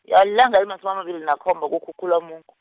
ya ilanga elimatjhumi amabili nekhomba, kuKhukhulamungu.